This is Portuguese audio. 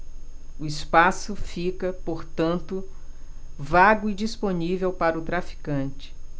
o espaço fica portanto vago e disponível para o traficante